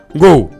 Un